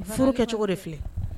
Furu kɛ cogo de filɛ